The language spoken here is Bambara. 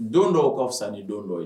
Don dɔw kɔ fisa ni don dɔ ye